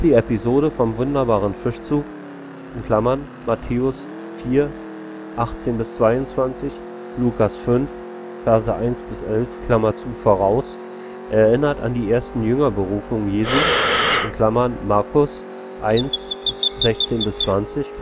Episode vom wunderbaren Fischzug (Mt 4,18 – 22/Lk 5,1 – 11) voraus, erinnert an die ersten Jüngerberufungen Jesu (Mk 1,16 – 20